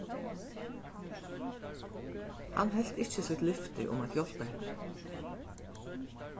hann helt ikki sítt lyfti um at hjálpa henni